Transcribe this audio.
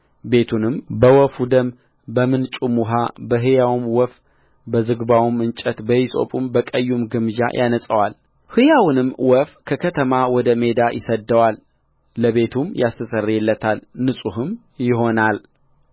ቤቱንም በወፉ ደም በምንጩም ውኃ በሕያውም ወፍ በዝግባውም እንጨት በሂሶጱም በቀዩም ግምጃ ያነጻዋልሕያውንም ወፍ ከከተማ ወደ ሜዳ ይሰድደዋል ለቤቱም ያስተሰርይለታል ንጹሕም ይሆናል